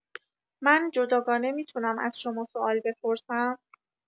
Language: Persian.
من جداگانه می‌تونم از شما سوال بپرسم؟